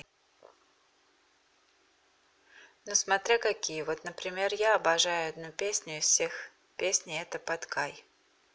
ну смотря какие вот например я обожаю одну песню из всех песни это под кай